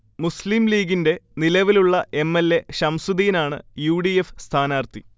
മുസ്ലിം ലീഗിന്റെ നിലവിലുള്ള M. L. A. ഷംസുദീനാണ് യൂ. ഡി. എഫ്. സ്ഥാനാർത്ഥി